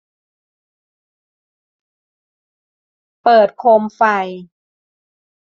เปิดโคมไฟ